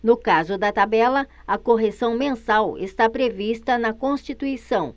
no caso da tabela a correção mensal está prevista na constituição